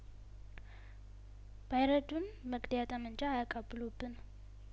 ባይረዱን መግደያጠመንጃ አያቀብሉብን